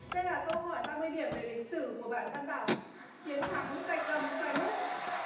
đây là câu hỏi ba mươi điểm về lịch sử của bạn văn bảo chiến thắng rạch gầm xoài mút